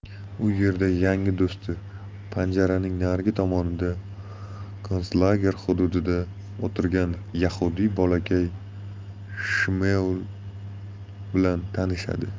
u yerda yangi do'sti panjaraning narigi tomonida konslager hududida o'tirgan yahudiy bolakay shmuel bilan tanishadi